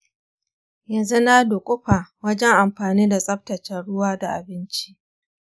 yanzu na duƙufa wajen amfani da tsaftataccen ruwa da abinci.